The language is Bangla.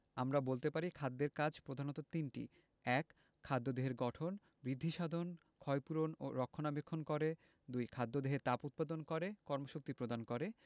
আমরা বলতে পারি খাদ্যের কাজ প্রধানত তিনটি ১. খাদ্য দেহের গঠন বৃদ্ধিসাধন ক্ষয়পূরণ ও রক্ষণাবেক্ষণ করে ২. খাদ্য দেহে তাপ উৎপাদন করে কর্মশক্তি প্রদান করে